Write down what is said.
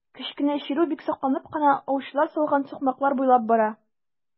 Кечкенә чирү бик сакланып кына аучылар салган сукмаклар буйлап бара.